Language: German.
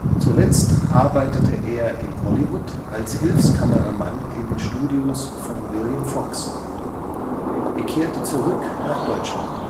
Zuletzt arbeitete er in Hollywood als Hilfskameramann in den Studios von William Fox. Er kehrte zurück nach Deutschland